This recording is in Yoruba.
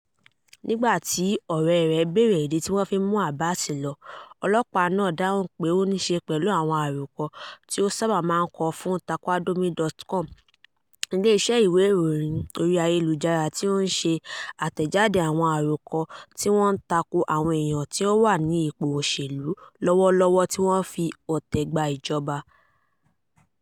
Nígbà tí ọ̀rẹ́ rẹ̀ bèèrè ìdí tí wọ́n fi ń mú Abbass lọ, ọlọ́pàá náà dáhùn pé ó níí ṣe pẹ̀lú àwọn àròkọ tí ó sábà máa ń kọ fún Taqadoumy.com, ilé-iṣẹ́ ìwé ìròyìn orí ayélujára tí ó ń ṣe àtẹ̀jáde àwọn àròkọ tí wọ́n ń tako àwọn èèyàn tí wọ́n wà ní ipò òṣèlú lọ́wọ́lọ́wọ́ tí wọ́n fi ọ̀tẹ̀ gba ìjọba.